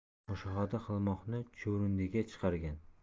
mushohada qilmoqni chuvrindiga chiqargan